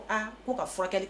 Aa k'o ka furakɛli